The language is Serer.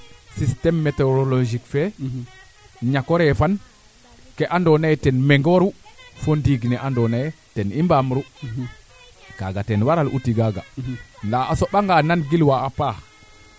ku ga'oona teno ale ka bugo ñanjik te leyaame ma njaaƴ ka me kaaga leya xama ley nda ale boo gare roona to fadiro fo mi no kaaga ande mbaata naxong kaa ando naye leyino